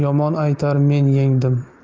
yomon aytar men yengdim